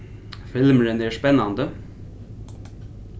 filmurin er spennandi